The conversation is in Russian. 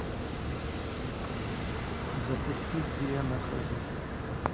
запусти где я нахожусь